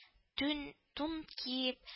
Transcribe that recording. Түн тун киеп